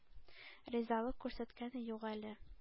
Ризалык күрсәткәне юк әле.